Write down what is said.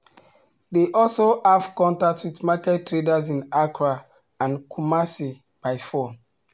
They also have contact with market traders in Accra and Kumasi by phone.